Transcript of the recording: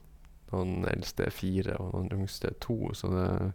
Han eldste er fire og han yngste er to, så det...